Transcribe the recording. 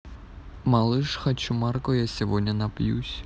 малыш хочу марко я сегодня напьюсь